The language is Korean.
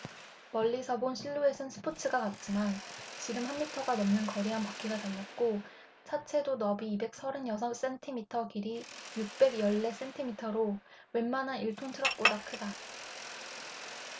멀리서 본 실루엣은 스포츠카 같지만 지름 한 미터가 넘는 거대한 바퀴가 달렸고 차체도 너비 이백 서른 여섯 센티미터 길이 육백 열 네 센티미터로 웬만한 일 톤 트럭보다 크다